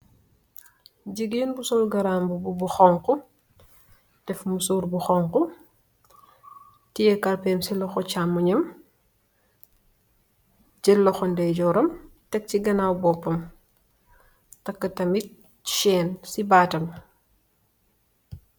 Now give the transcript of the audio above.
Gigeen bu sol garambubu bu xonxu, def mesor bu xonxu teyeh kalpèh em ci loxo chamooy am, jél loxo ndaijoram tek ci ganaw bópam takka tamid cèèn ci baatam.